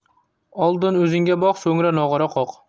oldin o'zingga boq so'ngra nog'ora qoq